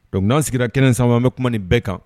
Don an sigira kɛnɛ san bɛ kuma bɛɛ kan